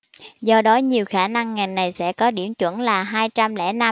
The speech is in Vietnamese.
do đó nhiều khả năng ngành này sẽ có điểm chuẩn là hai trăm lẻ năm